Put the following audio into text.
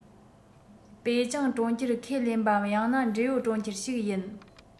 པེ ཅིང གྲོང ཁྱེར ཁས ལེན པའམ ཡང ན འབྲེལ ཡོད གྲོང ཁྱེར ཞིག ཡིན